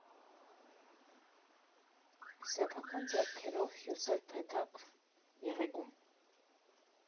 Սեփական ձեռքերով հյուսել փեթակ «Եղեգում»